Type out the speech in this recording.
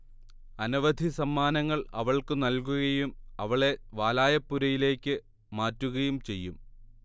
അനവധി സമ്മാനങ്ങൾ അവൾക്ക് നൽകുകയും അവളെ വാലായപ്പുരയിലേക്ക് മാറ്റുകയും ചെയ്യും